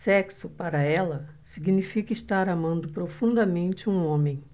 sexo para ela significa estar amando profundamente um homem